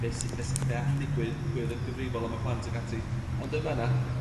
be' sy be' 'sa be' all 'di digwydd? Pwy odd yn gyfrifol am y plant ag ati? Ond yn fan 'na